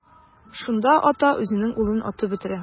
Шунда ата үзенең улын атып үтерә.